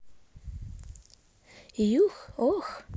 uh oh